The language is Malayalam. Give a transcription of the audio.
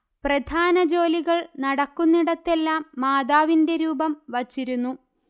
പ്രധാന ജോലികൾ നടക്കുന്നിടത്തെല്ലാം മാതാവിന്റെ രൂപം വച്ചിരുന്നു